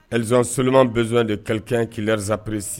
Zsliman0zson de ka kalili kɛ kelen zprerisi